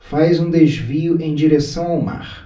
faz um desvio em direção ao mar